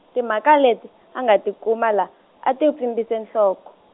timhaka leti, a nga ti kuma la, a ti n'wi pfimbise nhloko.